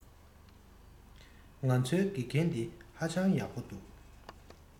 ང ཚོའི དགེ རྒན འདི ཧ ཅང ཡག པོ འདུག